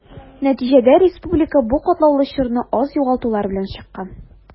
Нәтиҗәдә республика бу катлаулы чорны аз югалтулар белән чыккан.